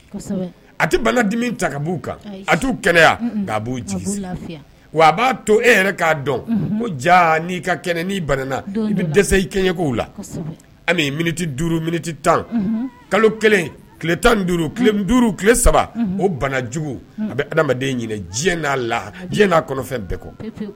A tɛ di ta kan b' wa a b'a to e yɛrɛ k dɔn jana i dɛsɛ i kɛɲɛ la duuruti tan kalo kelen tan duuru duuru tile saba o bana jugu a bɛ adama ɲini'a la bɛɛ kɔ